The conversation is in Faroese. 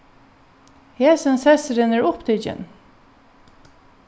hesin sessurin er upptikin